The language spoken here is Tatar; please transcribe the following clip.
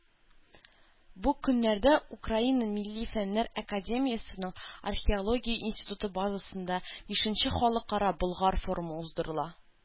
Бу көннәрдә Украина Милли фәннәр академиясенең Археология институты базасында бишенче Халыкара Болгар форумы уздырыла.